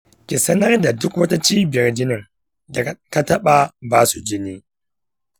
ki sanar da duk wata cibiyar jinin da ka taba basu jini.